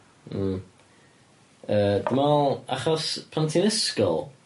Mm yy dwi'n me'wl achos pan ti'n ysgol,